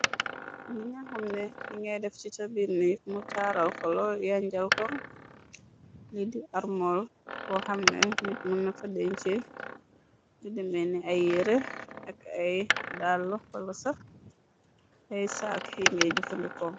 Li nga xamne li ngay def ci ca biirneek mu taaral koloo, yañjal ko li di armool ko xamne nit mu na fa den ci du demeni ay yeere ak ay dàll wala sax ay saak yi ngay jëfandikoo.